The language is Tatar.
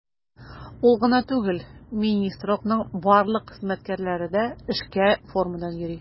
Ул гына түгел, министрлыкның барлык хезмәткәрләре дә эшкә формадан йөри.